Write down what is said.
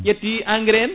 ƴetti engrais en